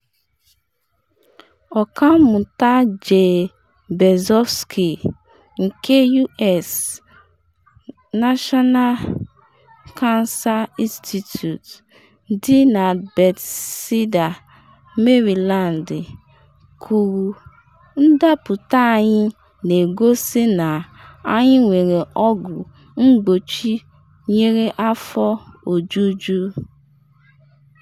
Ọkammụta Jay Berzofsky nke US National Cancer Institute dị na Bethesda Maryland, kwuru: “Ndapụta anyị na-egosi na anyị nwere ọgwụ mgbochi nyere afọ ojuju.”